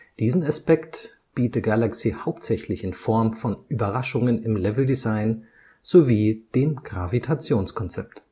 Diesen Aspekt biete Galaxy hauptsächlich in Form von Überraschungen im Leveldesign sowie dem Gravitationskonzept